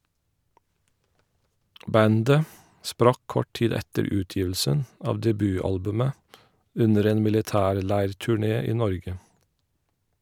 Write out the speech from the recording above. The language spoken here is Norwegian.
Bandet sprakk kort tid etter utgivelsen av debutalbumet , under en militærleirturné i Norge.